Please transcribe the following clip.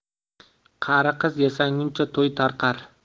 qari qiz yasanguncha to'y tarqar